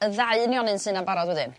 y ddau un nionyn sy' 'na'n barod wedyn